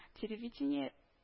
Телевидение